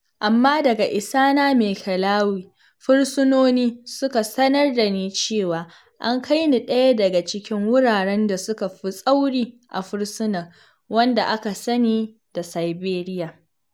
Amma daga isata Maekelawi, fursunoni suka sanar dani cewa an kai ni ɗaya daga cikin wuraren da suka fi tsauri a fursunan, wanda aka sani da "Siberia".